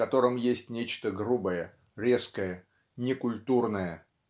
в котором есть нечто грубое резкое некультурное.